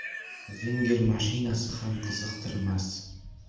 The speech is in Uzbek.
zinger mashinasi ham qiziqtirmas